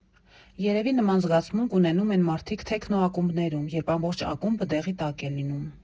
Երևի նման զգացմունք ունենում են մարդիկ թեքնո ակումբներում, երբ ամբողջ ակումբը դեղի տակ է լինում։